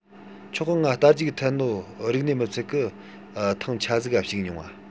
ཆོག གི ང རྟ རྒྱུག འཐེན གོ ནོ རིག ནིས མི ཚད ཐེངས ཆ ཙིག ག ཞུགས མྱོང ང